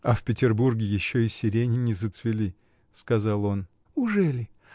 — А в Петербурге еще и сирени не зацвели, — сказал он. — Ужели?